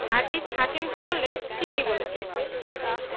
artist হাসিমুখে বললেন ঠিকই বলছে